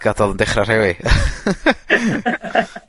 Gadal yn dechra rhewi.